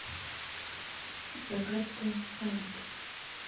загадки аида